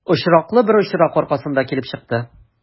Очраклы бер очрак аркасында килеп чыкты.